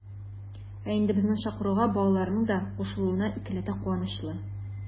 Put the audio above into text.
Ә инде безнең чакыруга балаларның да кушылуы икеләтә куанычлы.